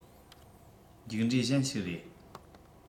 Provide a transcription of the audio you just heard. མཇུག འབྲས གཞན ཞིག རེད